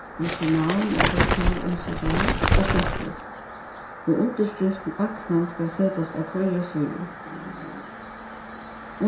eins og navn og p-tal umsøkjarans og stempul og undirskrift læknans skal setast á hvørja síðu